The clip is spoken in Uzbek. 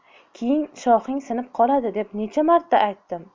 keyin shoxing sinib qoladi deb necha marta aytdim